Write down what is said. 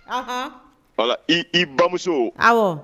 I i bamuso